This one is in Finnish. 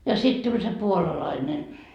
ja sitten tuli se puolalainen